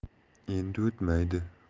endi o'tmaydi